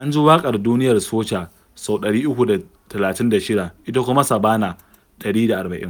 An ji waƙar "Duniyar Soca" sau 336, ita kuma "Saɓannah" 140.